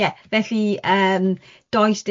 Ie, felly yym does dim.